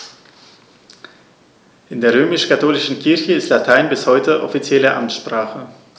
In der römisch-katholischen Kirche ist Latein bis heute offizielle Amtssprache.